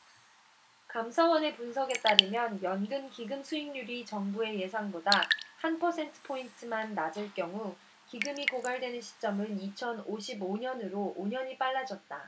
감사원의 분석에 따르면 연금기금수익률이 정부의 예상보다 한 퍼센트포인트만 낮을 경우 기금이 고갈되는 시점은 이천 오십 오 년으로 오 년이 빨라졌다